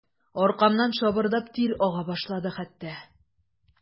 Аркамнан шабырдап тир ага башлады хәтта.